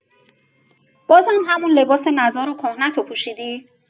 بازم همون لباس نزار و کهنه‌ات رو پوشیدی؟!